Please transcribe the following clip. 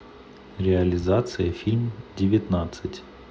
реализация фильм девятнадцать